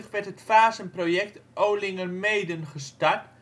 werd het fasenproject Olingermeeden gestart